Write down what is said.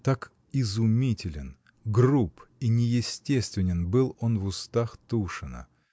Так изумителен, груб и неестествен был он в устах Тушина.